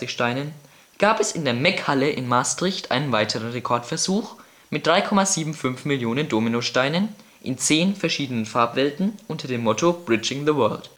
Steinen gab es in der Mecc-Halle in Maastricht einen weiteren Rekordversuch mit 3.750.000 Dominosteinen in zehn verschiedenen Farbwelten unter dem Motto „ Bridging the World